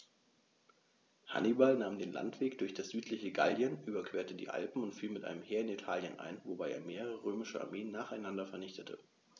Hannibal nahm den Landweg durch das südliche Gallien, überquerte die Alpen und fiel mit einem Heer in Italien ein, wobei er mehrere römische Armeen nacheinander vernichtete.